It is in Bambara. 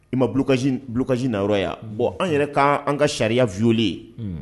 I ma blocage, blocage na yɔrɔ ye a? bon an yɛrɛ kaa an ka sariya violé